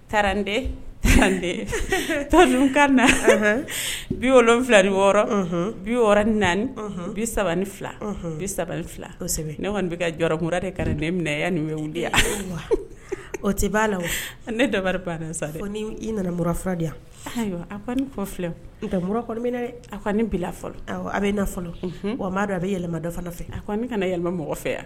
Taden tan ka na bifila ni wɔɔrɔ bi wɔɔrɔ ni naani bi saba ni fila bi saba filasɛbɛ ne kɔni bɛ ka jɔkuma de ka ne minɛya nin de wa o tɛ b'a la ne daɛ sa i nana fila de yan ayiwa a ne fɔ filɛ nka a bila fɔlɔ a bɛ na fɔlɔ o dɔn a bɛ yɛlɛma dɔ fɛ a ne kana yɛlɛma mɔgɔ fɛ yan